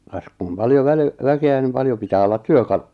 kas kun paljon - väkeä niin paljon pitää olla työkaluja